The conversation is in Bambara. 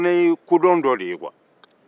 o fana ye kodɔn d o de ye kuwa